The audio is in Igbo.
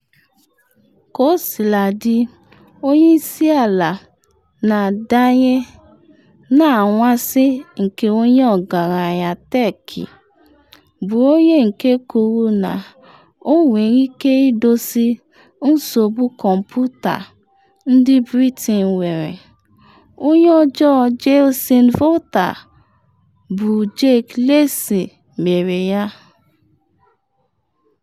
Kosiladị, onye isi ala na-adanye na anwansi nke onye ọgaranya tech, bụ onye nke kwuru na ọ nwere ike idozi nsogbu kọmputa ndị Britain nwere: onye ọjọọ Jason Volta bụ Jake Lacy mere ya.